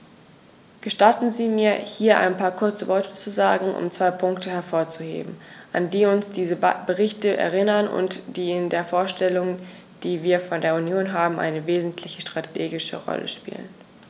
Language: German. Gestatten Sie mir, hier ein paar kurze Worte zu sagen, um zwei Punkte hervorzuheben, an die uns diese Berichte erinnern und die in der Vorstellung, die wir von der Union haben, eine wesentliche strategische Rolle spielen.